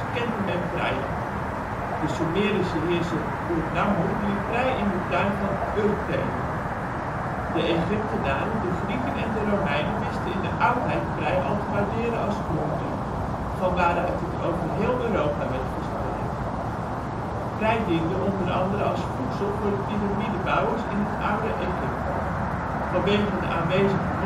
kende men prei al. De Sumerische Heerser Urnammu liet prei in de tuin van Ur telen. De Egyptenaren, de Grieken en de Romeinen wisten in de oudheid prei al te waarderen als groente, van waaruit het over heel Europa werd verspreid. Prei diende o.a. als voedsel voor de pyramidebouwers in het oude Egypte. Vanwege de aanwezige